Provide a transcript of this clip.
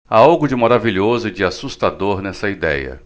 há algo de maravilhoso e de assustador nessa idéia